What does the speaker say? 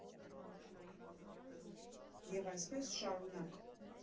Եվ այսպես շարունակ։